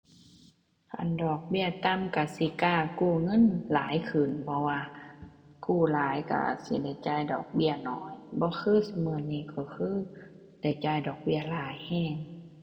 คันดอกเบี้ยต่ำก็สิกล้ากู้เงินหลายขึ้น เพราะว่ากู้หลายก็สิได้จ่ายดอกเบี้ยน้อย บ่คือซุมื้อนี้ก็คือได้จ่ายดอกเบี้ยหลายก็